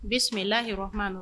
Bisimila bisimilala yɔrɔma don